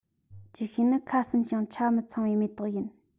ཅིག ཤོས ནི ཁ ཟུམ ཞིང ཆ མི ཚང བའི མེ ཏོག ཡིན